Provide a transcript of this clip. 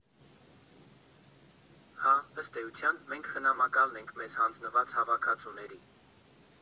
Հա, ըստ էության, մենք խնամակալն ենք մեզ հանձնված հավաքածուների։